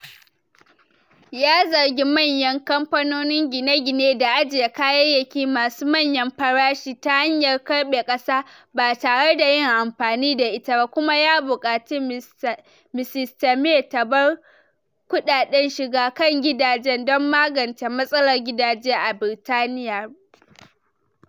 Ya zargi manyan Kamfanonin gine-gine da ajiye kayyaki masu manyan farashin ta hanyar karbe ƙasa ba tare da yin amfani da ita ba, kuma ya bukaci Mrs May ta bar kudaden shiga kan gidajen don magance "matsalar gidaje a Britaniya.”